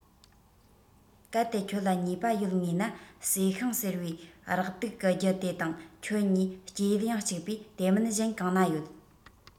གལ ཏེ ཁྱོད ལ ཉེ བ ཡོད ངེས ན བསེ ཤིང ཟེར བའི རེག དུག གི རྒྱུ དེ དང ཁྱོད གཉིས སྐྱེ ཡུལ ཡང གཅིག པས དེ མིན གཞན གང ན ཡོད